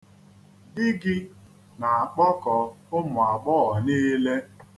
Di gị na-akpọkọ ụmụagbọghọ niile.